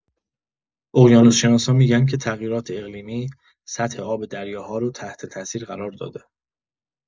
اقیانوس‌شناسا می‌گن که تغییرات اقلیمی، سطح آب دریاها رو تحت‌تأثیر قرار داده.